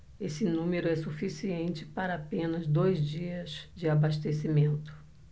esse número é suficiente para apenas dois dias de abastecimento